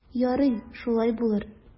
Ярый, шулай булыр.